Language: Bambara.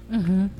Unhun